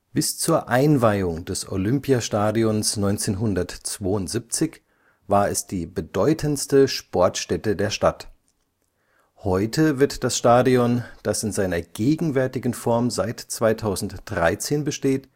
Bis zur Einweihung des Olympiastadions 1972 war es die bedeutendste Sportstätte der Stadt. Heute wird das Stadion, das in seiner gegenwärtigen Form seit 2013 besteht